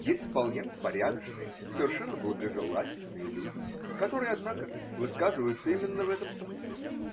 Есть вполне порядочные, совершенно благожелательные люди, которые, однако, высказываются именно в этом смысле.